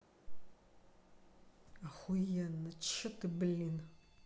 охуенно че ты блин